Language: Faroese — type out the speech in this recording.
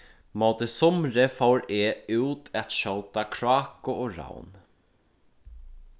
móti sumri fór eg út at skjóta kráku og ravn